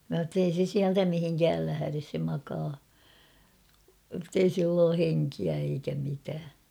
minä sanoin että ei se sieltä mihinkään lähde se makaa että ei sillä ole henkeä eikä mitään